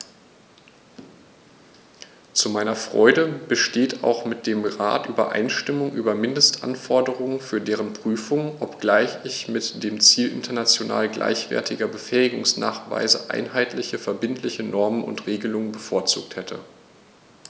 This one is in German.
Zu meiner Freude besteht auch mit dem Rat Übereinstimmung über Mindestanforderungen für deren Prüfung, obgleich ich mit dem Ziel international gleichwertiger Befähigungsnachweise einheitliche verbindliche Normen und Regelungen bevorzugt hätte.